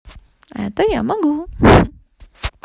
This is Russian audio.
это я могу